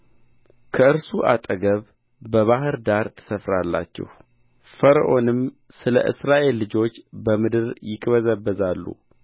ከእርሱም አጠገብ በባሕር ዳር ትሰፍራላችሁ ፈርዖንም ስለ እስራኤል ልጆች በምድር ይቅበዘበዛሉ